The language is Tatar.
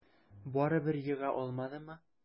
Барыбер ега алмадымы?